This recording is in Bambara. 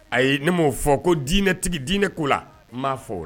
Ayi ne m'o fɔ ko diinɛtigi dinɛ koo la n m'a fɔ